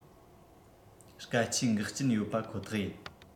སྐད ཆའི འགག རྐྱེན ཡོད པ ཁོ ཐག ཡིན